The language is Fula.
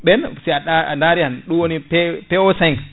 ɓen si aɗa daari han ɗum woni PO 5